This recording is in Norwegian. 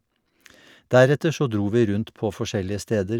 Deretter så dro vi rundt på forskjellige steder.